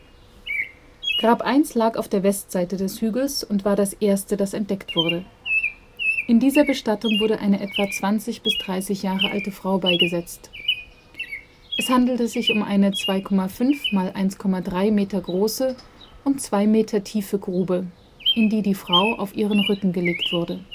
Grab 1 lag auf der Westseite des Hügels und war das erste, das entdeckt wurde. In dieser Bestattung wurde eine etwa 20 bis 30 Jahre alte Frau beigesetzt. Es handelte sich um eine 2,5 x 1,3 Meter große und 2 Meter tiefe Grube, in die die Frau auf ihren Rücken gelegt wurde